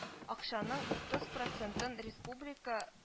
Акчаның утыз процентын республика